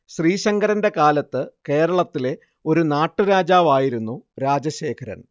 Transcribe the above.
ശ്രീശങ്കരന്റെ കാലത്ത് കേരളത്തിലെ ഒരു നാട്ടു രാജാവായിരുന്നു രാജശേഖരൻ